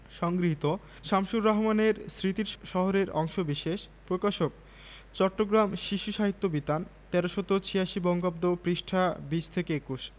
যখনি দ্যাখো না কেন ভালো তোমার লাগবেই মসজিদটার সারা গায়ে একরাশ তারা ছিটিয়ে দেয়া হয়েছে তাই এর নাম সিতারা মসজিদ কিন্তু অনেক অনেক আগে এর নাম ছিল আলাদা আঠারো শতকের গোড়ার দিকে